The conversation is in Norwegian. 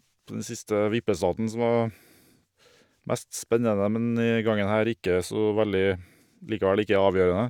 Den siste vippestaten som var mest spennende, men denne gangen her ikke så veldig likevel ikke avgjørende.